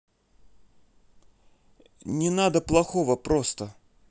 не надо плохого просто